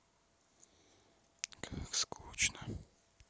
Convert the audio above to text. как скучно